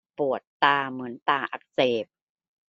ปวดตาเหมือนตาอักเสบ